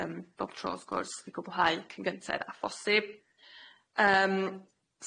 yym bob tro sgwrs i gwblhau cyn gynted a phosib yym,